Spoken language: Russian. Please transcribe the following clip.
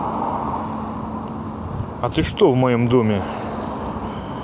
а ты что в моем доме